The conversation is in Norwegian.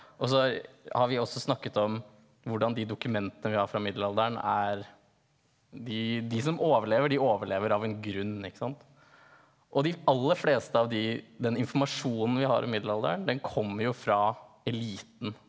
og så har vi også snakket om hvordan de dokumentene vi har fra middelalderen er de de som overlever de overlever av en grunn ikke sant, og de aller fleste av de den informasjonen vi har om middelalderen den kommer jo fra eliten.